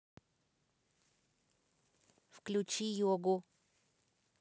включи йогу